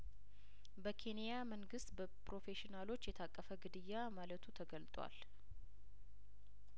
በኬንያ መንግስት በኘሮፌሽናሎች የታቀፈ ግድያ ማለቱ ተገልጧል